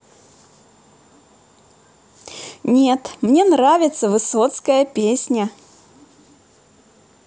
нет мне нравится высоцкая песня